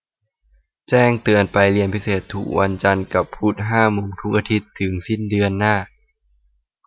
แจ้งเตือนไปเรียนพิเศษทุกวันจันทร์กับพุธห้าโมงทุกอาทิตย์ถึงสิ้นเดือนหน้า